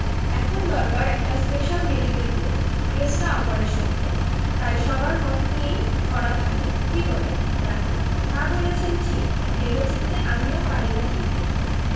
এখন দরকার একটা স্পেশাল মেডিকেল বোর্ড কেসটা অপারেশনের তাই সবার মত নিয়েই করা ভালো কি বলেন ডাক্তার তা বলেছেন ঠিক ভেবে চিন্তে আমিও পাই না দিক